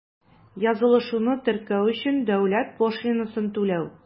Язылышуны теркәү өчен дәүләт пошлинасын түләү.